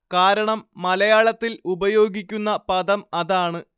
കാരണം മലയാളത്തിൽ ഉപയോഗിക്കുന്ന പദം അതാണ്